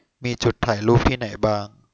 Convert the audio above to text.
มีจุดถ่ายรูปที่ไหนบ้าง